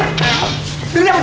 đứng im